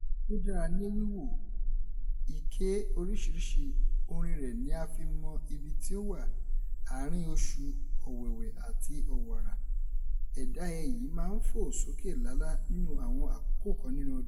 Ó dára ní wíwò, iké oríṣiríṣi. Orin rẹ̀ ni a fi ń mọ ibi tí ó wà, àárín oṣù Ọ̀wẹwẹ̀ àti Ọ̀wàrà. Ẹ̀dá ẹyẹ yìí máa ń fò sókè lálá nínú àwọn àkókò kan nínú ọdún.